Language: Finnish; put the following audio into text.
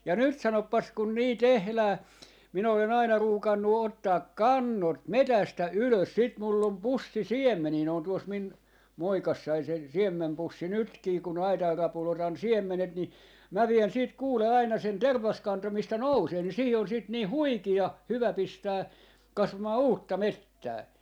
ja nyt sanopas kun niin tehdään minä olen aina ruukannut ottaa kannot metsästä ylös sitten minulla on pussi siemeniä ne on tuossa minun muovikassissani se siemenpussi nytkin kun aitan rapulla otan siemenet niin minä vien sitten kuule aina sen tervaskanto mistä nousee niin siihen on sitten niin huikean hyvä pistää kasvamaan uutta metsää